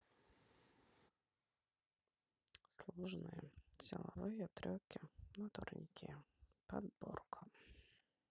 сложные силовые трюки на турнике подборка